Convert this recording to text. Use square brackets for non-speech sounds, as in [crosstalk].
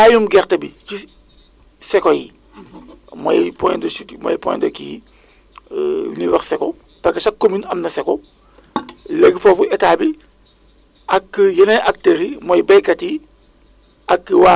ba mettre en palce benn [hesitation] disons benn plateforme bi nga xamante ne bi lu mel ni ay Jokalanteeg yooyu dégg nga daf ñuy permettre toujours énun ñuy mëm di lancer ce qu' on appelle donc des alertes alerte nag boo ko xoolee moog prévision bokkuñu